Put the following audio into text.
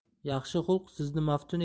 yaxshi xulq sizni maftun